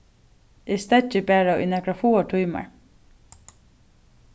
eg steðgi bara í nakrar fáar tímar